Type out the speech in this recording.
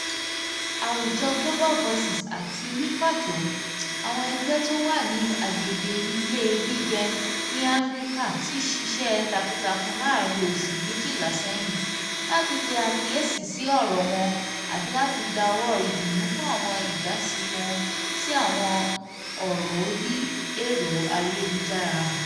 Àwùjọ Global Voices àti ní pàtó, àwọn ẹgbẹ́ tó wà ní agbègbè ilẹ̀ gbígbẹ́ ní Áfíríkà ti ṣiṣẹ́ takuntakun láàárìn oṣù méjìlá ṣẹ́yìn láti pe àkíyèsí sí ọ̀rọ̀ wọn àti láti dáwọ̀ọ́ ìdùnnú fún àwọn ìdásí wọn sí àwọn ọ̀rọ̀ orí ẹ̀rọ ayélujára.